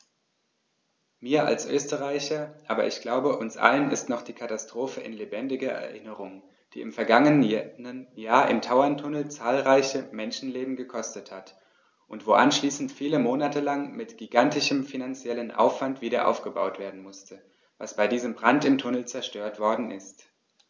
Mir als Österreicher, aber ich glaube, uns allen ist noch die Katastrophe in lebendiger Erinnerung, die im vergangenen Jahr im Tauerntunnel zahlreiche Menschenleben gekostet hat und wo anschließend viele Monate lang mit gigantischem finanziellem Aufwand wiederaufgebaut werden musste, was bei diesem Brand im Tunnel zerstört worden ist.